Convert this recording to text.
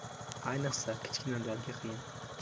ayniqsa kichkinalarga qiyin